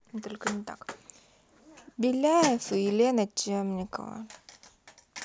беляев и елена темникова